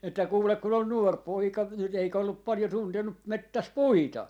että kuule kun on nuori poika vielä eikä ollut paljon tuntenut metsässä puita